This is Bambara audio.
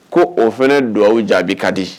Ko o fana don jaabi ka di